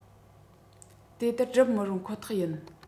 དེ ལྟར བསྒྲུབ མི རུང ཁོ ཐག ཡིན